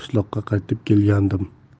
qishloqqa qaytib kelgandim